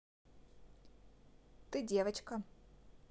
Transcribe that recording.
ты девочка